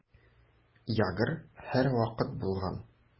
Ягр һәрвакыт булган.